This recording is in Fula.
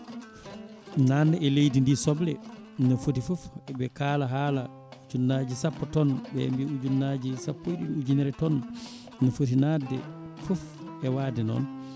nanna e leydi ndi soble no foti foof ɓe kaala haala ujunnaje sappo tonnes ɓe mbi ujunnaje sappo e ɗiɗi ujunere tonnes ɗum footi nadde foof e waade noon